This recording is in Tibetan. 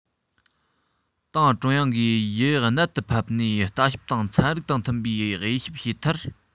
ཏང ཀྲུང དབྱང གིས ཡིད རྣལ དུ ཕབ ནས ལྟ ཞིབ དང ཚན རིག དང མཐུན པའི དབྱེ ཞིབ བྱས མཐར